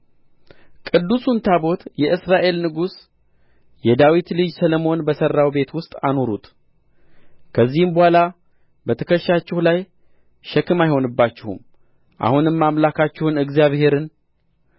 ቅዱሱን ታቦት የእስራኤል ንጉሥ የዳዊት ልጅ ሰሎሞን በሠራው ቤት ውስጥ አኑሩት ከዚህም በኋላ በትከሻችሁ ላይ ሸክም አይሆንባችሁም አሁንም አምላካችሁን እግዚአብሔርንና